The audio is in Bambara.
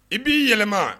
I b'i yɛlɛma